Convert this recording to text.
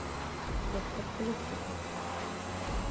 доктор плюшева